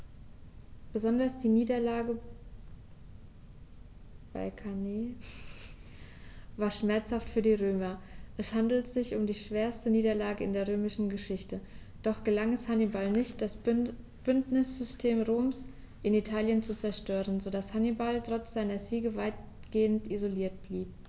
Besonders die Niederlage bei Cannae war schmerzhaft für die Römer: Es handelte sich um die schwerste Niederlage in der römischen Geschichte, doch gelang es Hannibal nicht, das Bündnissystem Roms in Italien zu zerstören, sodass Hannibal trotz seiner Siege weitgehend isoliert blieb.